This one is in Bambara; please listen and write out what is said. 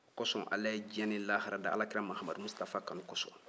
o kosɔn ala ye diɲɛ ni lahara da alakira mahamadu mustapha kanu kosɔn